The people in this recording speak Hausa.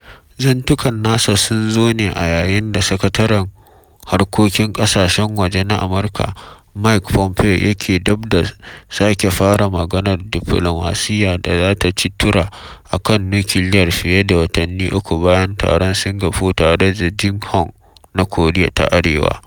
Zantukan nasa sun zo ne a yayin da Sakataren Harkokin Ƙasashen Waje na Amurka Mike Pompeo yake dab da sake fara maganar diflomasiyyar da ta ci tura a kan nukiliyar fiye da watanni uku bayan taron Singapore tare da Kim Jong Un na Koriya ta Arewa.